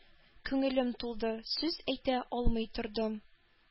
Күңелем тулды, сүз әйтә алмый тордым.